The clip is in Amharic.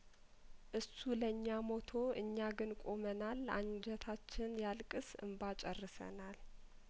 እሱ ለኛ ሞቶ እኛ ግን ቆመናል አንጀታችን ያልቅስ እምባ ጨርሰናል